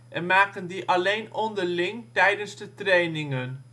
en maken die alleen onderling tijdens de trainingen